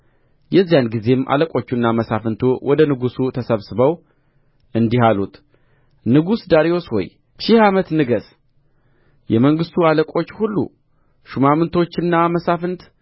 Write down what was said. የዚያን ጊዜም አለቆቹና መሳፍንቱ ወደ ንጉሡ ተሰብስበው እንዲህ አሉት ንጉሥ ዳርዮስ ሆይ ሺህ ዓመት ንገሥ የመንግሥቱ አለቆች ሁሉ ሹማምቶችና መሳፍንት